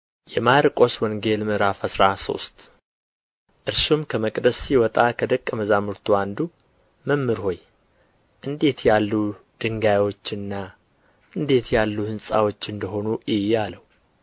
የማርቆስ ወንጌል ምዕራፍ አስራ ሶስት እርሱም ከመቅደስ ሲወጣ ከደቀ መዛሙርቱ አንዱ መምህር ሆይ እንዴት ያሉ ድንጋይዎችና እንዴት ያሉ ሕንጻዎች እንደ ሆኑ እይ አለው